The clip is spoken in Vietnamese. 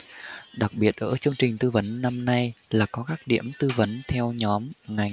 đặc biệt ở chương trình tư vấn năm nay là có các điểm tư vấn theo nhóm ngành